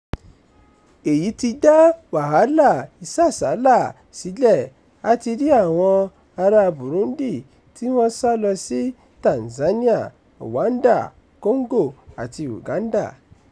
Èyí ti dá wàhálà ìsásàálà sílẹ̀, a ti rí àwọn ará Burundi tí wọ́n sá lọ sí Tanzania, Rwanda, Congo àti Uganda.